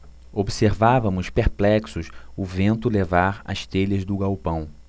observávamos perplexos o vento levar as telhas do galpão